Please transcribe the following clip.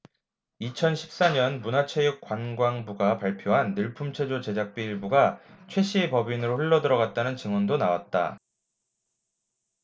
이천 십 사 년 문화체육관광부가 발표한 늘품체조 제작비 일부가 최씨의 법인으로 흘러들어 갔다는 증언도 나왔다